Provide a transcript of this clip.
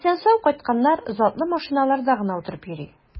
Исән-сау кайтканнар затлы машиналарда гына утырып йөри.